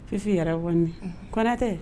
Fifi yɛrɛ ye kotɛ